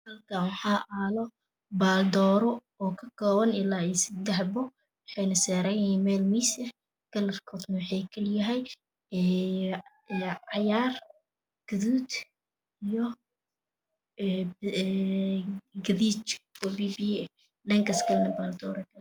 Halkaan waxaa aalo baal doro oo kakooban 10 ilaa iyo 3 xabo waxayna saaran yihiin meel miis ah kalarkoodana waxa uu kalayahay cagaar guduud gariij o biyo biyo ah dhankas kalana baar doraa kayalo